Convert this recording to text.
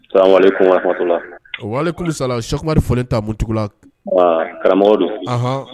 Kulusa sukumari fɔlen t' bonugula karamɔgɔ don